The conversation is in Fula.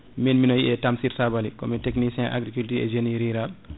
min miɗo wiye Tamsir Sabaly komi technicien agriculture et génie rural